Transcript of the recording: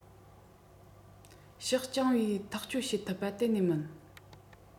ཕྱོགས རྐྱང པས ཐག གཅོད བྱེད ཐུབ གཏན ནས མིན